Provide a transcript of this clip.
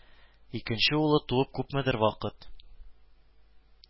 Икенче улы туып күпмедер вакыт